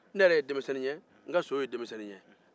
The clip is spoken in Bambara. ne yɛrɛ ye denmisɛnnin ye n ka so ye denmisɛnnin ye